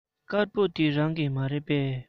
དཀར པོ འདི རང གི མ རེད པས